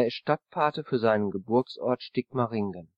Stadtpate für seinen Geburtsort Sigmaringen